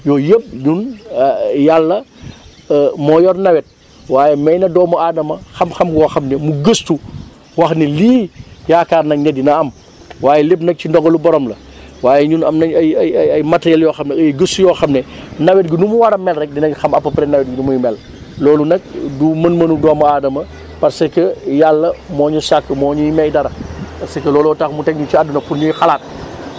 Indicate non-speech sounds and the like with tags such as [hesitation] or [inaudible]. yooyu yëpp ñun [hesitation] yàlla [hesitation] moo yor nawet waaye may na doomu aadama xam-xam boo xam ne mu gëstu wax ne lii yaakaar nañ ne dina am waaye lépp nag ci ndogalu borom la waaye ñun am nañ ay ay ay ay matériels yoo xam ne ay gëstu yoo xam ne [breath] nawet gi nu mu war a mel rek dinañ xam à peu près nawet bi nu muy mel loolu nag [hesitation] du mën-mënu doomu aadama parce que yàlla moo ñu sakk moo ñuy may dara [noise] parce que looloo tax mu teg ñu ci àdduna pour ñuy xalaat [noise]